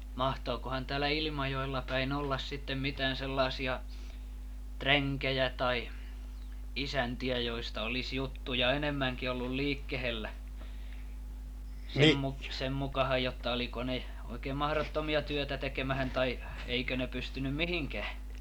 mahtoikohan täällä Ilmajoella päin olla sitten mitään sellaisia renkejä tai isäntiä joista olisi juttuja enemmänkin ollut liikkeellä sen - sen mukaan jotta oliko ne oikein mahdottomia työtä tekemään tai eikö ne pystynyt mihinkään